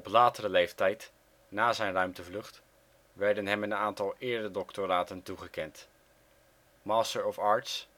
latere leeftijd (na zijn ruimtevlucht) werden hem een aantal eredoctoraten toegekend: Master of Arts